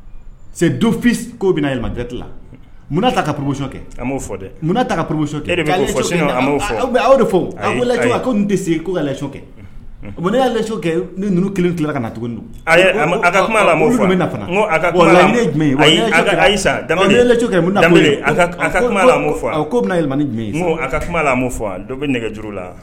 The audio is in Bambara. Du munna p a'o fɔ dɛ munna ta tɛ se ne y' kɛ ni kelen tila ka tuguni ka jumɛn ayisa bɛna jumɛn kuma fɔ bɛ nɛgɛ la